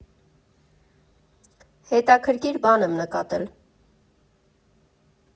Հետաքրքիր բան եմ նկատել.